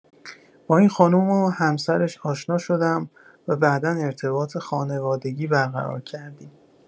با این خانم و همسرش آشنا شدم و بعدا ارتباط خانوادگی برقرار کردیم.